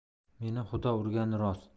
meni xudo urgani rost